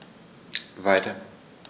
Weiter.